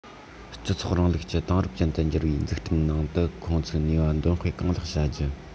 སྤྱི ཚོགས རིང ལུགས ཀྱི དེང རབས ཅན དུ འགྱུར བའི འཛུགས སྐྲུན ནང དུ ཁོང ཚོའི ནུས པ འདོན སྤེལ གང ལེགས བྱ རྒྱུ